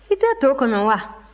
i tɛ to kɔnɔ wa